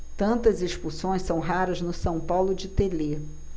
tantas expulsões são raras no são paulo de telê